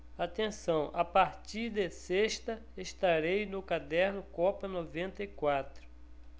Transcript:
atenção a partir de sexta estarei no caderno copa noventa e quatro